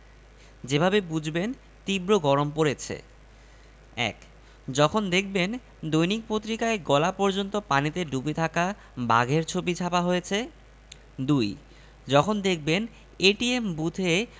যেভাবে বুঝবেন তীব্র গরম পড়েছে ১. যখন দেখবেন দৈনিক পত্রিকায় গলা পর্যন্ত পানিতে ডুবে থাকা বাঘের ছবি ছাপা হয়েছে ২. যখন দেখবেন এটিএম বুথে